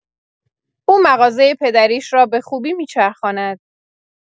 او مغازه پدریش را به خوبی می‌چرخاند